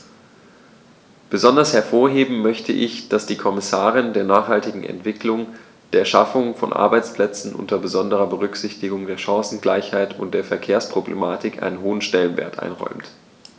Besonders hervorheben möchte ich, dass die Kommission der nachhaltigen Entwicklung, der Schaffung von Arbeitsplätzen unter besonderer Berücksichtigung der Chancengleichheit und der Verkehrsproblematik einen hohen Stellenwert einräumt.